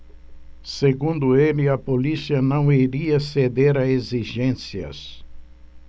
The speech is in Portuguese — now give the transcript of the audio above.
segundo ele a polícia não iria ceder a exigências